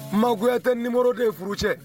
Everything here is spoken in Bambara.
Ma Kuyate numéro 2 furucɛ.